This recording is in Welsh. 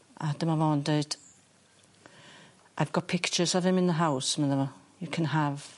A dyma fo'n deud I've got pictures of him in the house medda fo. You can have